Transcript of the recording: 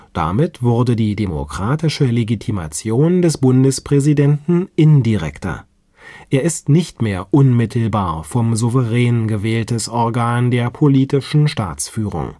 Damit wurde die demokratische Legitimation des Bundespräsidenten indirekter: Er ist nicht mehr unmittelbar vom Souverän gewähltes Organ der politischen Staatsführung